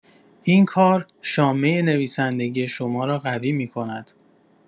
این کار شامه نویسندگی شما را قوی می‌کند.